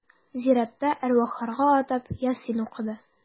Зиратта әрвахларга атап Ясин укыды.